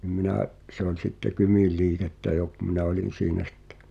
niin minä se oli sitten Kymin liikettä jo kun minä olin siinä sitten